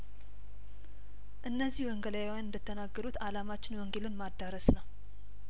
እነዚህ ወንገላውያን እንደተናገሩት አላማችን ወንጌልን ማዳረስ ነው